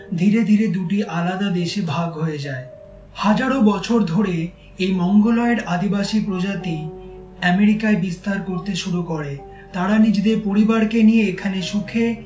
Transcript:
ধীরে ধীরে দুটি আলাদা দেশে ভাগ হয়ে যায় হাজারো বছর ধরে এই মঙ্গোলয়েড আদিবাসী প্রজাতি এমেরিকায় বিস্তার করতে শুরু করে তারা নিজেদের পরিবারকে নিয়ে এখানে সুখে